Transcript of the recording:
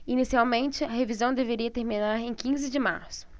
inicialmente a revisão deveria terminar em quinze de março